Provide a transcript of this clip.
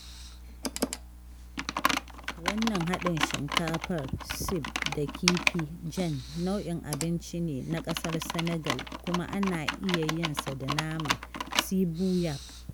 Wannan haɗin shinkafar (ceeb) da kifi (Jenn) nau'in abinci ne na ƙasar Senegal kuma ana iya yin sa da nama (ceebu yapp).